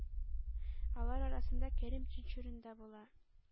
Алар арасында Кәрим Тинчурин дә була.